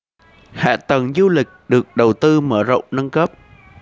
hạ tầng du lịch được đầu tư mở rộng nâng cấp